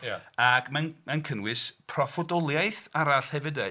Ag mae'n cynnwys proffwydoliaeth arall hefyd 'de.